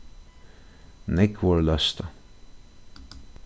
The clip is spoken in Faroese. nógv vórðu løstað